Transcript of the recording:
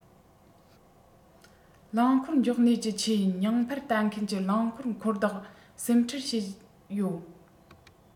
རླངས འཁོར འཇོག གནས ཀྱི ཆེད སྙིང འཕར ལྟ མཁན གྱི རླངས འཁོར འཁོར བདག སེམས ཁྲལ བྱེད ཡོད